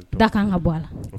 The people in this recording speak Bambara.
Da kan ka bɔ a la